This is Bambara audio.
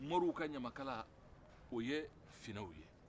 moriw ka ɲamakala o ye finɛw ye